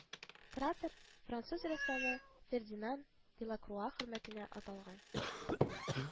Кратер француз рәссамы Фердинан Делакруа хөрмәтенә аталган